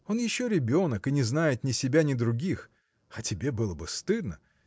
Он еще ребенок и не знает ни себя, ни других, а тебе было бы стыдно!